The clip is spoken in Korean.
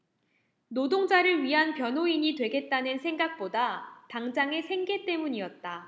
노동자를 위한 변호인이 되겠다는 생각보다 당장의 생계 때문이었다